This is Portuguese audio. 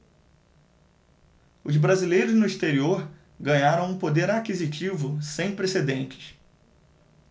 os brasileiros no exterior ganharam um poder aquisitivo sem precedentes